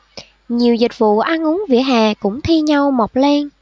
nhiều dịch vụ ăn uống vỉa hè cũng thi nhau mọc lên